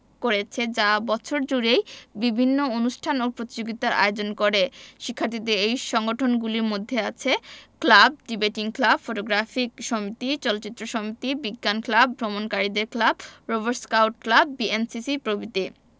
করেছে যা বছর জুড়েই বিভিন্ন অনুষ্ঠান এবং প্রতিযোগিতার আয়োজন করে শিক্ষার্থীদের এই সংগঠনগুলির মধ্যে আছে ক্লাব ডিবেটিং ক্লাব ফটোগ্রাফিক সমিতি চলচ্চিত্র সমিতি বিজ্ঞান ক্লাব ভ্রমণকারীদের club rover scout club BNCC প্রভৃতি